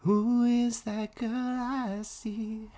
Who is that girl I see?